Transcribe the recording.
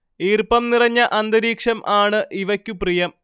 ഈർപ്പം നിറഞ്ഞ അന്തരീക്ഷം ആണ് ഇവയ്ക്കു പ്രിയം